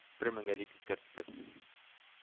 – бер меңгә, дип, искәртте